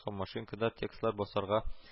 Һәм машинкада текстлар басарга